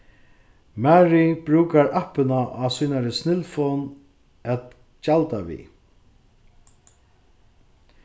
mary brúkar appina á sínari snildfon at gjalda við